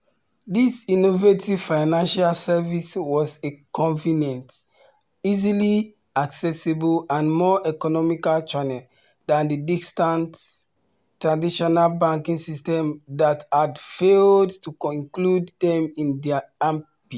This innovative financial service was a convenient, easily accessible and more economical channel, than the ‘distant’, traditional banking systems that had failed to include them in their ambit.